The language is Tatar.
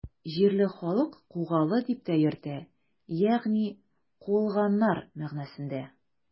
Җирле халык Кугалы дип тә йөртә, ягъни “куылганнар” мәгънәсендә.